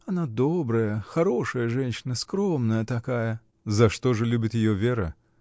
Она добрая, хорошая женщина, скромная такая. — За что же любит ее Вера?